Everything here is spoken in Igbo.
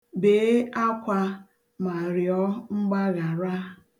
Bee akwa ma rịọ mgbaghara.